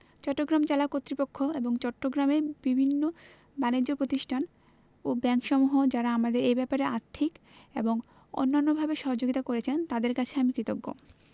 চট্টগ্রাম জেলা কর্তৃপক্ষ এবং চট্টগ্রামের বিভিন্ন বানিজ্য প্রতিষ্ঠান ও ব্যাংকসমূহ যারা আমাদের এ ব্যাপারে আর্থিক এবং অন্যান্যভাবে সহযোগিতা করেছেন তাঁদের কাছে আমি কৃতজ্ঞ